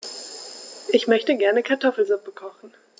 Ich möchte gerne Kartoffelsuppe kochen.